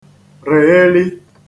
règheli